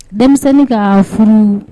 Denmisɛnnin ka furu